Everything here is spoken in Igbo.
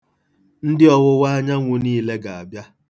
Ndị ọwụwaanyanwụ niile ga-abiạ.